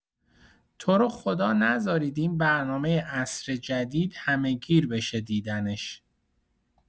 تو رو خدا نذارید این برنامه عصر جدید همه‌گیر بشه دیدنش.